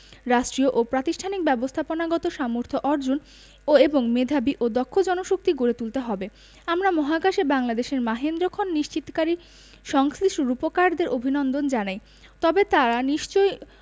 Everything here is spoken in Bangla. রাষ্ট্রীয় ও প্রাতিষ্ঠানিক ব্যবস্থাপনাগত সামর্থ্য অর্জন ও এবং মেধাবী ও দক্ষ জনশক্তি গড়ে তুলতে হবে আমরা মহাকাশে বাংলাদেশের মাহেন্দ্রক্ষণ নিশ্চিতকারী সংশ্লিষ্ট রূপকারদের অভিনন্দন জানাই তবে তাঁরা নিশ্চয়